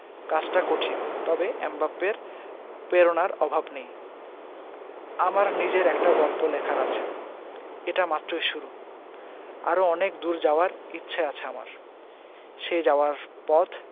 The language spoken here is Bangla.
কাজটা কঠিন তবে এমবাপ্পের প্রেরণার অভাব নেই আমার নিজের একটা গল্প লেখার আছে এটা মাত্রই শুরু আরও অনেক দূর যাওয়ার ইচ্ছা আছে আমার সেই যাওয়ার পথ